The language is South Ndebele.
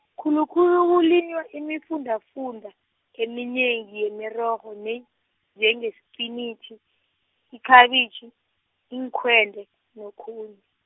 khulukhulu kulinywa iimfundafunda, eminengi yemirorho, ne- njengespinitjhi, ikhabitjhi, iinkhwende, nokunye.